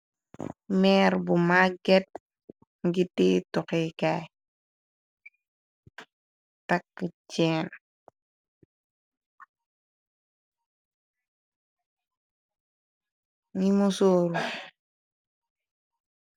Meer bu magget ngiti tuxikaay, takk cheen ngi mu sooru.